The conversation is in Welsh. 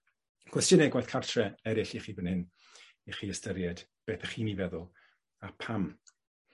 Cwestyne gwaith cartre eryll i chi fan hyn, i chi ystyried. Be' dych chi'n 'i feddwl, a pam?